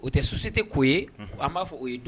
O tɛ susite k'o ye an b'a fɔ o ye